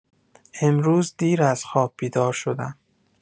امروز دیر از خواب بیدار شدم.